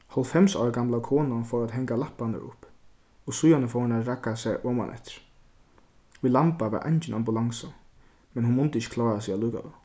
hálvfems ára gamla konan fór at hanga lapparnar upp og síðani fór hon at ragga sær omaneftir í lamba var eingin ambulansa men hon mundi ikki klára seg allíkavæl